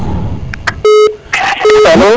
alo